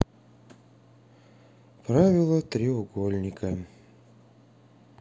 правила треугольника